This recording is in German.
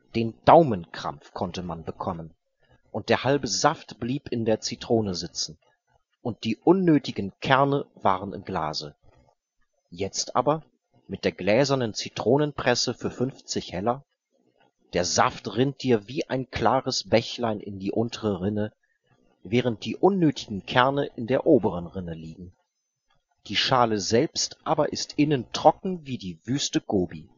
Den Daumen-Krampf konnte man bekommen, und der halbe Saft blieb in der Zitrone sitzen, und die unnötigen Kerne waren im Glase. Jetzt aber, mit der gläsernen Zitronen-Presse für 50 Heller, der Saft rinnt dir wie ein klares Bächlein in die untere Rinne, während die unnötigen Kerne in der oberen Rinne liegen. Die Schale selbst aber ist innen trocken wie die Wüste Gobi